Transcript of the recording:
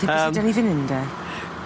Yym. 'Dyn be' sy 'dyn ni fyn 'yn de?